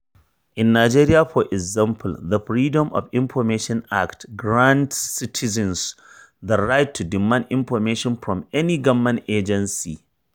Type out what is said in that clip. In Nigeria, for example, the Freedom of Information Act grants citizens the right to demand information from any government agency.